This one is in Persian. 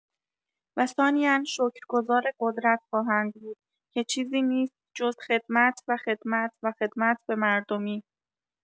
و ثانیا شکرگزار قدرت خواهند بود که چیزی نیست جز خدمت و خدمت و خدمت به مردمی